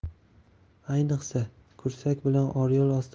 ayniqsa kursk bilan oryol